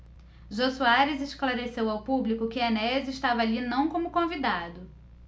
jô soares esclareceu ao público que enéas estava ali não como convidado